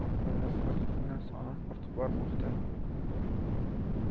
oqibatida vafot etganlar soni ortib bormoqda